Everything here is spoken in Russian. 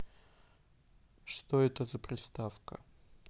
что это за приставка